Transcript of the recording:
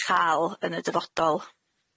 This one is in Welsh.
ni chael yn y dyfodol.